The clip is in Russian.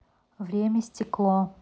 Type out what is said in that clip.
время стекло